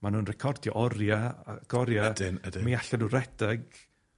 ma' nw'n recordio oria ag oria. Ydyn ydyn. Mi allen nw redeg